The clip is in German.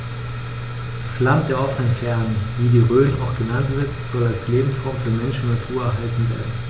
Das „Land der offenen Fernen“, wie die Rhön auch genannt wird, soll als Lebensraum für Mensch und Natur erhalten werden.